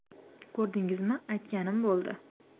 ko'rdingizmi aytganim bo'ldi